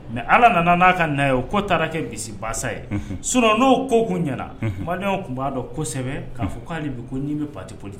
Mais Ala nana n'a ka na ye o ko taara kɛ bisibasa ye. Unhun! sinon n'o ko tun ɲɛna. malien tun b'a dɔn kosɛbɛ k'a fɔ ko hali bi nii bɛ parti politique